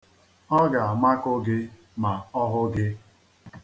Ọ ga-amakụ gị ma ọ hụ gị.